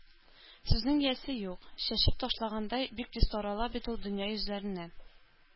Сүзнең иясе юк, чәчеп ташлагандай, бик тиз тарала бит ул дөнья йөзләренә.